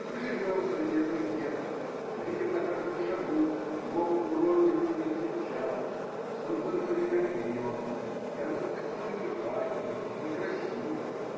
Мы живем среди этого гетто и видим на каждом шагу его уродливую измельчалость, созданную веками гнета, и оно так непривлекательно, некрасиво.